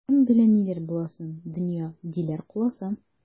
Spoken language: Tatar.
Кем белә ниләр буласын, дөнья, диләр, куласа.